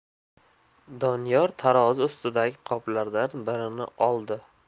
doniyor tarozi ustidagi qoplardan birini oldi